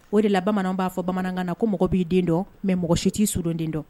O de la bamananw b'a fɔ bamanankan na, ko mɔgɔ b'i den dɔn mɛ mɔgɔ si t'i sudon den dɔn